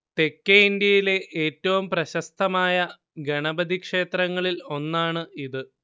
തെക്കേ ഇന്ത്യയിലെ ഏറ്റവും പ്രശസ്തമായ ഗണപതി ക്ഷേത്രങ്ങളിൽ ഒന്നാണ് ഇത്